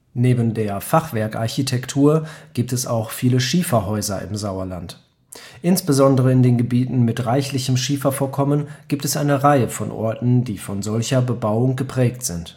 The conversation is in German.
Neben der Fachwerkarchitektur gibt es auch viele Schieferhäuser im Sauerland. Insbesondere in den Gebieten mit reichlichem Schiefervorkommen gibt es eine Reihe von Orten, die von solcher Bebauung geprägt sind